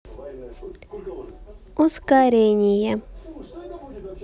ускорение